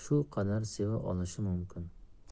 seva olishi mumkin